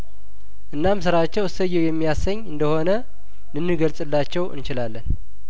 እናም ስራቸው እሰየው የሚያሰኝ እንደሆነ ልንገልጽላቸው እንችላለን